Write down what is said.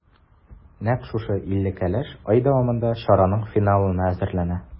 Нәкъ шушы илле кәләш ай дәвамында чараның финалына әзерләнә.